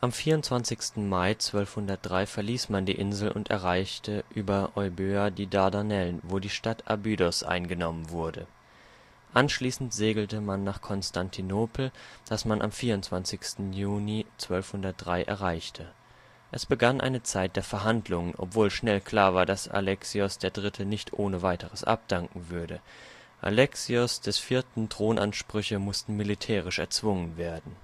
24. Mai 1203 verließ man die Insel und erreichte über Euböa die Dardanellen, wo die Stadt Abydos eingenommen wurde. Anschließend segelte man nach Konstantinopel, das man am 24. Juni 1203 erreichte. Es begann eine Zeit der Verhandlungen, obwohl schnell klar war, dass Alexios III. nicht ohne weiteres abdanken würde. Alexios ' IV. Thronansprüche mussten militärisch erzwungen werden